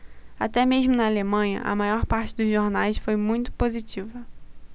até mesmo na alemanha a maior parte dos jornais foi muito positiva